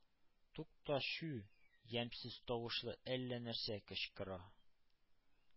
Тукта, чү! Ямьсез тавышлы әллә нәрсә кычкыра.